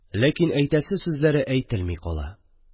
Ләкин әйтәсе сүзләре әйтелми кала